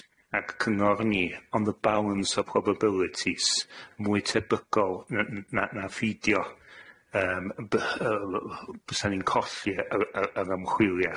ac cyngor ni, on the balance of probabilities, mwy tebygol na na na pheidio, yym by- yy bysan ni'n colli yr yr yr ymchwiliad.